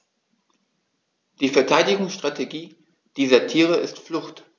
Die Verteidigungsstrategie dieser Tiere ist Flucht.